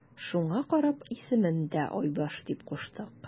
Шуңа карап исемен дә Айбаш дип куштык.